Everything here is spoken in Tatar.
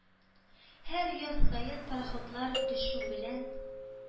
Һәр яз саен, пароходлар төшү белән,